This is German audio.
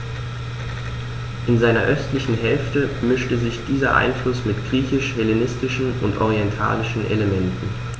In seiner östlichen Hälfte mischte sich dieser Einfluss mit griechisch-hellenistischen und orientalischen Elementen.